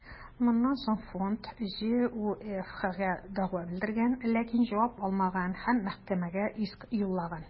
Моннан соң фонд ҖҮФХгә дәгъва белдергән, ләкин җавап алмаган һәм мәхкәмәгә иск юллаган.